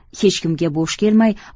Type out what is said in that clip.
hech kimga bo'sh kelmay